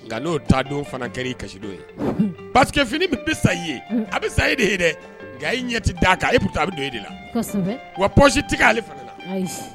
Nka n'o ta denw fana g kasido ye pakɛ fini bɛ sa i ye a bɛ sa i de ye dɛ nka i ɲɛti da' kan a a bɛ don i de la wa pɔsi tɛ ale fana la